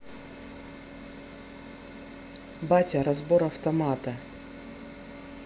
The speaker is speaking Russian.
батя разбор автомата